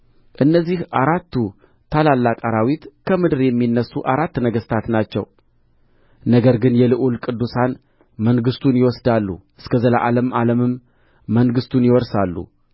እነዚህ አራቱ ታላላቅ አራዊት ከምድር የሚነሡ አራት ነገሥታት ናቸው ነገር ግን የልዑሉ ቅዱሳን መንግሥቱን ይወስዳሉ እስከ ዘላለም ዓለምም መንግሥቱን ይወርሳሉ